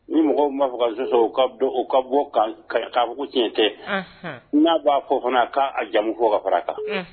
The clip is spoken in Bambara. Ni mɔgɔw ma fɔ sisan ka u ka bɔ'bugu tiɲɛ tɛ n'a b'a fɔ fana'a jamumu fɔ ka fara kan